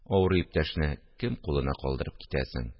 Авыру иптәшне кем кулына калдырып китәсең